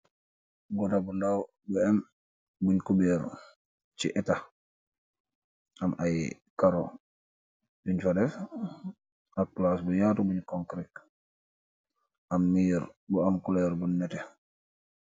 Bonah bu ndaw bu em bungh kuberre chi ehtah, amm aiiy kaaroh yungh fa deff ak plass bu yaatu bungh concrete, am mirr bu am couleur bu nehteh.